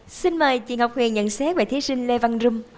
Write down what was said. xin mời chị ngọc huyền nhận xét về thí sinh lê văn rum